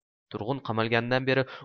turg'un qamalganidan beri